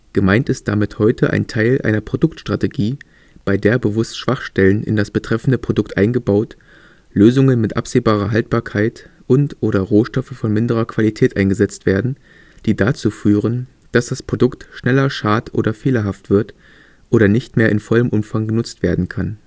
Gemeint ist damit heute ein Teil einer Produktstrategie, bei der bewusst Schwachstellen in das betreffende Produkt eingebaut, Lösungen mit absehbarer Haltbarkeit und/oder Rohstoffe von minderer Qualität eingesetzt werden, die dazu führen, dass das Produkt schneller schad - oder fehlerhaft wird oder nicht mehr in vollem Umfang genutzt werden kann